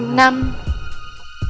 mùng năm